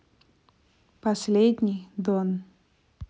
последний дон